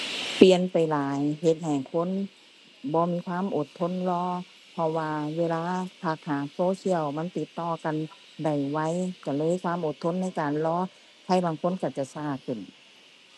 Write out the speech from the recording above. เปลี่ยนไปหลาย เฮ็ดให้คนบ่มีความอดทนรอ เพราะว่าเวลาทักหาโซเชียล มันติดต่อกันได้ไวก็เลยความอดทนในการรอ ใครบางคนก็จะก็ขึ้น